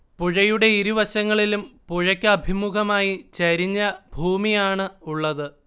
പുഴയുടെ ഇരുവശങ്ങളിലും പുഴയ്ക്കഭിമുഖമായി ചെരിഞ്ഞ ഭൂമിയാണ് ഉള്ളത്